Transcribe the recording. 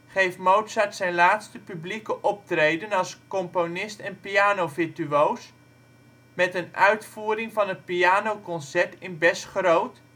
geeft Mozart zijn laatste publieke optreden als componist en pianovirtuoos met een uitvoering van het pianoconcert in Bes-groot, KV